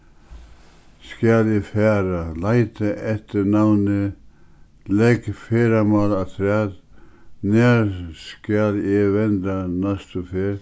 skal eg fara leita eftir navni legg ferðamál afturat nær skal eg venda næstu ferð